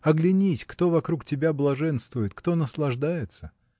Оглянись, кто вокруг тебя блаженствует, кто наслаждается?